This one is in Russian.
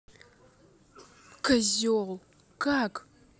козел как